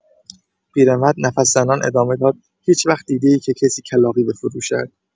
پیرمرد نفس‌زنان ادامه داد: «هیچ‌وقت دیده‌ای که کسی کلاغی بفروشد؟!»